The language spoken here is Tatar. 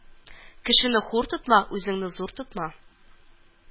Кешене хур тотма, үзеңне зур тотма